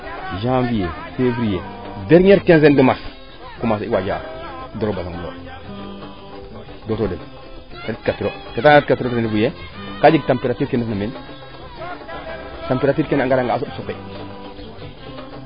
janvier fevrier derniere quizieme de mars o fina waaja xijkatiro o nana nga me xijka tiro kaa jeg temperature ke ndefna meen temperature keene a ngara nga soɓ `